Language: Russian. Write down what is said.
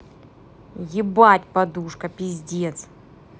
ебать подушка пиздец